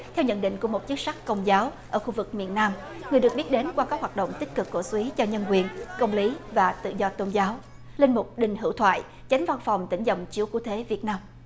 theo nhận định của một chức sắc công giáo ở khu vực miền nam người được biết đến qua các hoạt động tích cực cổ súy cho nhân quyền công lý và tự do tôn giáo linh mục đinh hữu thoại chánh văn phòng tỉnh dòng chúa cứu thế việt nam